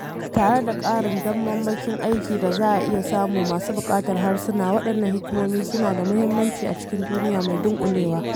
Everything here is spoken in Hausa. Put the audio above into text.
Tare da ƙarin damammakin aiki da za a iya samu masu buƙatar harsuna, wadannan hikimomi suna da muhimmanci a cikin duniya mai dunƙulewa.